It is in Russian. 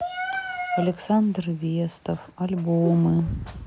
александр вестов альбомы